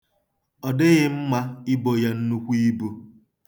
Ọ dịghị mma ibo ya nnukwu ibu.